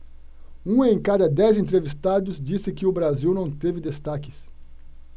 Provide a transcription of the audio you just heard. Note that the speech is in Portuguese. um em cada dez entrevistados disse que o brasil não teve destaques